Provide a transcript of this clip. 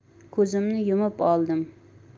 ko'zimni yumib oldim